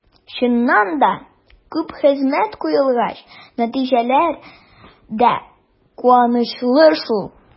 Чыннан да, күп хезмәт куелгач, нәтиҗәләр дә куанычлы шул.